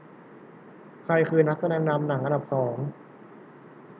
ใครคือนักแสดงนำหนังอันดับสอง